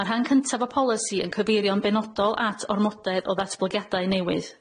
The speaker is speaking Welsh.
Ma'r rhan cyntaf o polisi yn cyfeirio'n benodol at ormodedd o ddatblygiadau newydd.